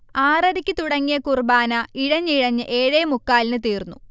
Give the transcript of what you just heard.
ആറരയ്ക്ക് തുടങ്ങിയ കുർബ്ബാന ഇഴഞ്ഞിഴഞ്ഞ് ഏഴേമുക്കാലിന് തീർന്നു